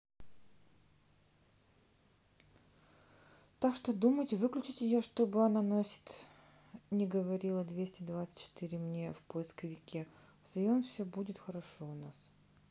так что думать выключить ее чтобы она носит не говорила двести двадцать четыре мне в поисковике в своем все будет хорошо у нас